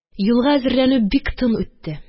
Юлга хәзерләнү бик тын үтте